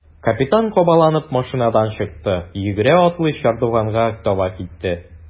Капитан кабаланып машинадан чыкты, йөгерә-атлый чардуганга таба китте.